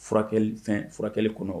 Furakɛ furakɛ kɔnɔ